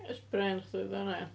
Jyst brên chdi 'di hynna ia.